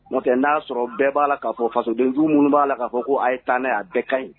Mɔ n'a'a sɔrɔ bɛɛ b'a la k'a fɔ fasodenju minnu b'a la k'a fɔ ko a ye tan' a bɛɛ ka ɲi